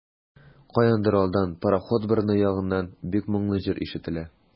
Каяндыр алдан, пароход борыны ягыннан, бик моңлы җыр ишетелә.